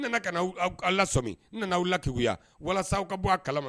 N nana ka na aw lasɔmi, n nana aw lakegunya walasa aw ka bɔ a kalama